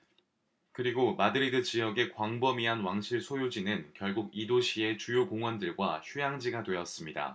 그리고 마드리드 지역의 광범위한 왕실 소유지는 결국 이 도시의 주요 공원들과 휴양지가 되었습니다